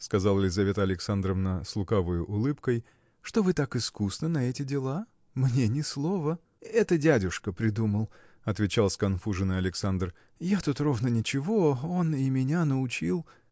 – сказала Лизавета Александровна с лукавою улыбкой – что вы так искусны на эти дела. мне ни слова. – Это дядюшка придумал – отвечал сконфуженный Александр – я тут ровно ничего он и меня научил.